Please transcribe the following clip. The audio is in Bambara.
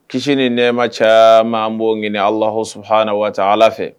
Kisi ni nɛ ma caman an b'o ɲini alahɔshaana waa ala fɛ